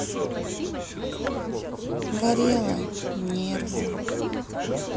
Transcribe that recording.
горело нервы